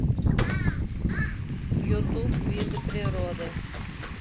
ютуб виды природы